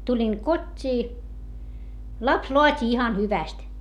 tulin kotiin lapsi laati ihan hyvästi